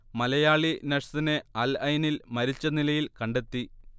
മലയാളി നഴ്സിനെ അൽഐനിൽ മരിച്ച നിലയിൽ കണ്ടെത്തി